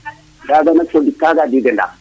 kaga nak fa ɗik kaga jagana